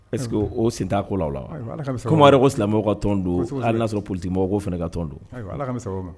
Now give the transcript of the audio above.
Est ce que o sen t'a ko la o la, komi aw yɛrɛ ko silamɛw ka tɔn don hali n'a sɔrɔ politikimɔgɔko fana ka tɔn don, ayiwa Ala k'an ni sababa bɛn